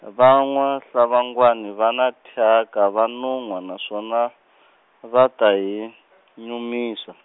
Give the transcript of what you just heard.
va N'wa-Hlabangwani va na thyaka va nunhwa naswona, va ta hi , nyumisa.